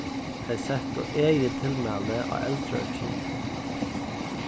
tey settu egin tilmæli á eldraøkinum